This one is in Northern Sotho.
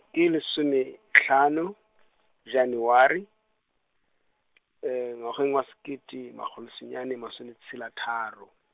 ke lesomehlano, Janaware, ngwageng wa sekete, makgolo senyane masome tshela tharo.